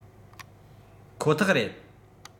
ཁོ ཐག རེད